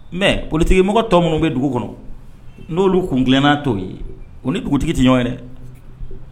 Mɛ politigi mɔgɔ tɔ minnu bɛ dugu kɔnɔ n'olu kun tilenna tɔw ye o ni dugutigi tɛ ɲɔgɔn ye dɛ